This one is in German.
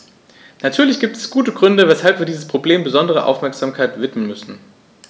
Natürlich gibt es gute Gründe, weshalb wir diesem Problem besondere Aufmerksamkeit widmen müssen.